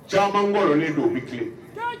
Camankɔ do bɛ tilen